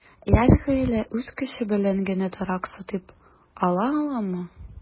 Яшь гаилә үз көче белән генә торак сатып ала аламы?